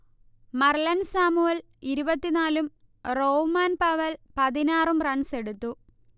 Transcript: Marlon Samuel ഇരുപതിനാലും Rovman Powell പതിനാറും റൺസെടുത്തു